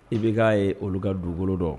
I bɛ ka ye olu ka dugukolo dɔn